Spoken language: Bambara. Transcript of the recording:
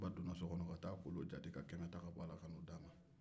ba donna so kɔnɔ ka taa kolon jate ka kɛmɛ bɔ a la ka na o di a ma